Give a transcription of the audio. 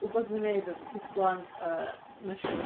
Wbeth i wneud efo pidlans a mushrooms?